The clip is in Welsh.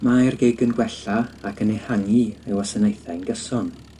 Mae'r GIG yn gwella ac yn ehangu ei wasanaethau'n gyson